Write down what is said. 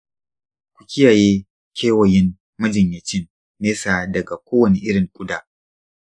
ku kiyaye kewayin majinyacin nesa daga kowane irin ƙuda.